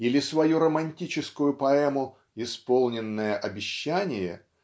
Или свою романтическую поэму "Исполненное обещание"